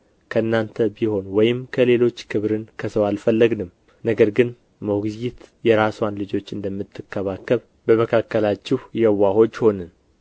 ከእናንተ ቢሆን ወይም ከሌሎች ክብርን ከሰው አልፈለግንም ነገር ግን ሞግዚት የራስዋን ልጆች እንደምትከባከብ በመካከላችሁ የዋሆች ሆንን